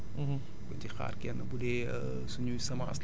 buñ ci buñ ci xaar buñ ci xaar kenn